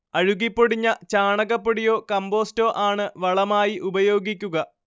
അഴുകിപ്പൊടിഞ്ഞ ചാണകപ്പൊടിയോ കമ്പോസ്റ്റോ ആണു് വളമായി ഉപയോഗിക്കുക